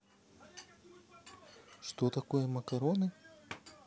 что такое макароны